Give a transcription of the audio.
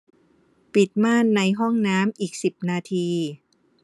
ปิดม่านในห้องน้ำอีกสิบนาที